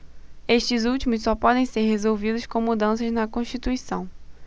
estes últimos só podem ser resolvidos com mudanças na constituição